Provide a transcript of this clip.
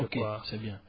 ok waa c' est bien